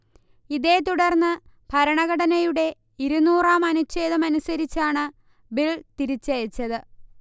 ഇതേ തുടർന്നു ഭരണഘടനയുടെ ഇരുന്നൂറാം അനുഛേദം അനുസരിച്ചാണ് ബിൽ തിരിച്ചയച്ചത്